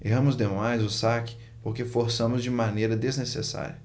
erramos demais o saque porque forçamos de maneira desnecessária